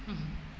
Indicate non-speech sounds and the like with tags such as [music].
[hesitation] [hesitation]